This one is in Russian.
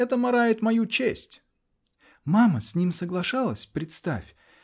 Это марает мою честь!" Мама с ним соглашалась -- представь!